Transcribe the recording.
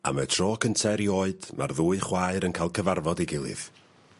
Am y tro cynta erioed ma'r ddwy chwaer yn ca'l cyfarfod ei gilydd.